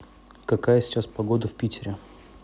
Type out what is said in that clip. какая сейчас погода в питере